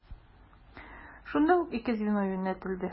Шунда ук ике звено юнәтелде.